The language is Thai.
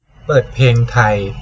เปิดเพลงไทย